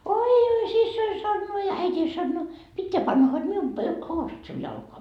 oi oi siskoni sanoo ja äitini sanoo pitää panna hod minun - housut sinun jalkaan